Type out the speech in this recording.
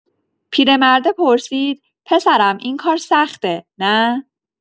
پیرمرده پرسید: «پسرم، این کار سخته، نه؟»